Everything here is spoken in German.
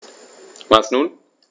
Und nun?